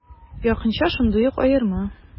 Якынча шундый ук аерма.